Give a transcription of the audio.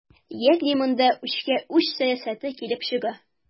Ягъни монда үчкә-үч сәясәте килеп чыга.